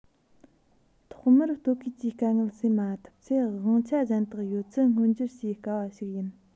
ཐོག མར ལྟོ གོས ཀྱི དཀའ ངལ སེལ མ ཐུབ ཚེ དབང ཆ གཞན དག ཡོད ཚད མངོན གྱུར བྱེད དཀའ བ ཞིག ཡིན